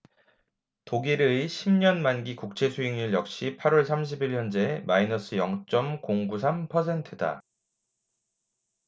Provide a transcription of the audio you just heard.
독일의 십 년 만기 국채 수익률 역시 팔 월 삼십 일 현재 마이너스 영 쩜 공 구 삼 퍼센트다